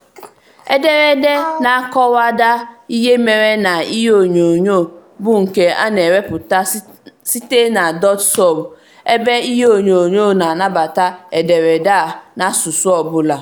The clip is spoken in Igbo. Ederede na-akọwada ihe mere na ihe onyonyo bụ nke a na-ewepụta site na dotSUB, ebe ihe onyonyo na-anabata ederede a n'asụsụ ọbụla.